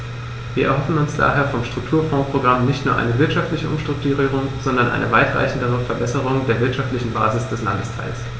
Wir erhoffen uns daher vom Strukturfondsprogramm nicht nur eine wirtschaftliche Umstrukturierung, sondern eine weitreichendere Verbesserung der wirtschaftlichen Basis des Landesteils.